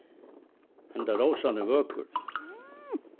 handan rósan er vøkur